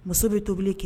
Muso bɛ tobili kɛ